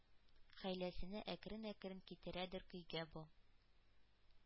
Хәйләсене әкрен-әкрен китерәдер көйгә бу.